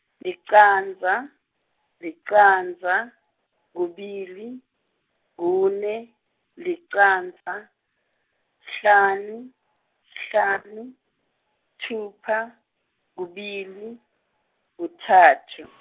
licandza, licandza, kubili, kune, licandza, sihlanu, sihlanu, sithupha, kubili, kutsatfu.